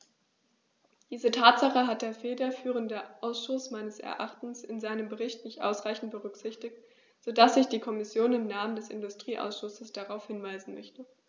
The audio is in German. Diese Tatsache hat der federführende Ausschuss meines Erachtens in seinem Bericht nicht ausreichend berücksichtigt, so dass ich die Kommission im Namen des Industrieausschusses darauf hinweisen möchte.